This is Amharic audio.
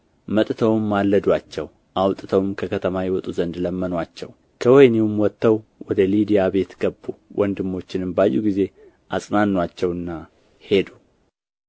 መጥተውም ማለዱአቸው አውጥተውም ከከተማ ይወጡ ዘንድ ለመኑአቸው ከወኅኒውም ወጥተው ወደ ልድያ ቤት ገቡ ወንድሞችንም ባዩ ጊዜ አጽናኑአቸውና ሄዱ